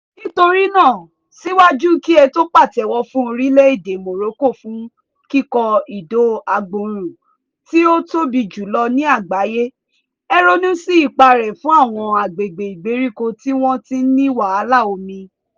Nítorí náà síwájú kí ẹ tó pàtẹ́wọ́ fún orílẹ̀ èdè Morocco fún kíkọ́ ìdó agbòòrùn tí ó tóbi jùlọ ní àgbáyé, ẹ ronú sí ipá rẹ̀ fún àwọn agbègbè ìgbèríko tí wọ́n ti ń ní wàhálà omi.